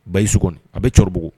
Ba y' sok kɔnɔ a bɛ cɛkɔrɔbabugu